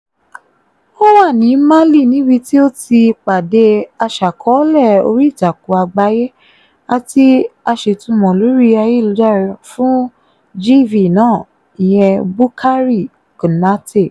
Ó wà ní Mali níbi tí ó ti pàdé aṣàkọọ́lẹ̀ oríìtakùn àgbáyé àti aṣètumọ̀ lórí ayélujára fún GV náà, ìyẹn Boukary Konaté.